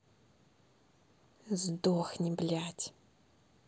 сдохни блядь